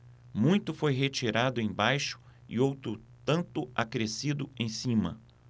muito foi retirado embaixo e outro tanto acrescido em cima